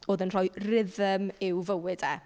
Oedd e'n rhoi rythm i'w fywyd e.